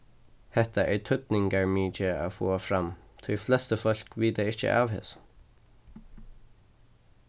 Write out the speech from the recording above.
hetta er týdningarmikið at fáa fram tí flestu fólk vita ikki av hesum